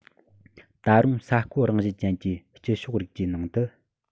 ད རུང ས བརྐོ རང བཞིན ཅན གྱི སྐྱི གཤོག རིགས ཀྱི ནང དུ